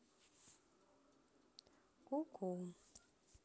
куку